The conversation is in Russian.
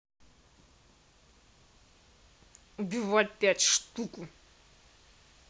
убивать пять штуку